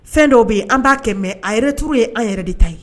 Fɛn dɔw bɛ yen an b'a kɛmɛ a yɛrɛ turu ye an yɛrɛ de ta ye